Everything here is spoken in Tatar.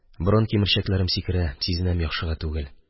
Борын кимерчәкләрем сикерә, сизенәм, яхшыга түгел.